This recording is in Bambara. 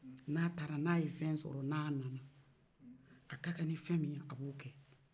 n'a taara n'a ye fɛn sɔrɔ n'a nana a ka kan ni fɛn min ye a b'o kɛ